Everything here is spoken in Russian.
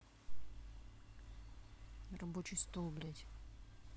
рабочий стол блять